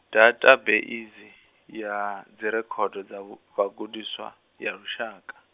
dathabeisi ya dzirekhodo dza vh-, vhagudiswa ya lushaka.